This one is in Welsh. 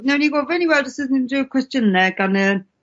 Newn ni gofyn i weld os o's unrhyw cwestiyne gan y